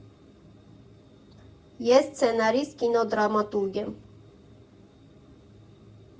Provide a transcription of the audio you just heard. Ես սցենարիստ, կինոդրամատուրգ եմ։